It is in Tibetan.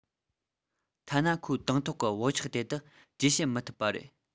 ཐ ན ཁོའི དང ཐོག གི བབ ཆགས དེ དག བཅོས བྱེད མི ཐུབ པ རེད